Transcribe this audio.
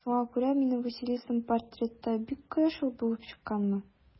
Шуңа күрә минем Василисам портретта бик кояшлы булып чыкканмы?